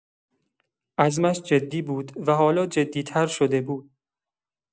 عزمش جدی بود و حالا جدی‌تر شده بود.